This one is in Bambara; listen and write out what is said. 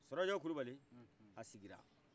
farajawo kulubali a sigira